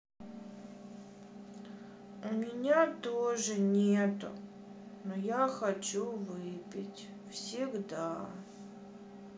у меня тоже нету но я хочу выпить всегда